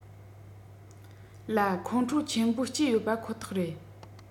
ལ ཁོང ཁྲོ ཆེན པོ སྐྱེས ཡོད པ ཁོ ཐག རེད